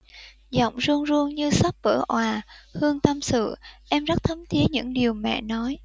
giọng run run như sắp vỡ òa hương tâm sự em rất thấm thía những điều mẹ nói